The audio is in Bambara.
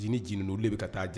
J jinɛinin olu de bɛ ka taa